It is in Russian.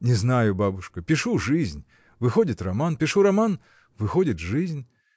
— Не знаю, бабушка, пишу жизнь — выходит роман; пишу роман — выходит жизнь.